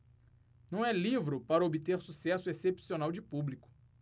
não é livro para obter sucesso excepcional de público